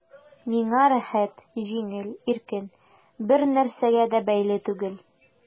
Миңа рәхәт, җиңел, иркен, бернәрсәгә дә бәйле түгел...